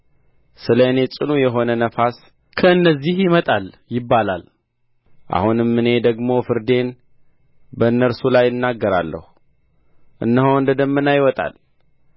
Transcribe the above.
ስለ እኔ ጽኑ የሆነ ነፋስ ከእነዚህ ይመጣል ይባላል አሁንም እኔ ደግሞ ፍርዴን በእነርሱ ላይ እናገራለሁ እነሆ እንደ ደመና ይወጣል